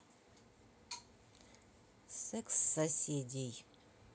секс соседей